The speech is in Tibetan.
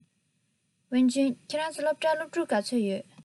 ཝུན ཅུན ཁྱོད རང ཚོའི སློབ གྲྭར སློབ ཕྲུག ག ཚོད ཡོད རེད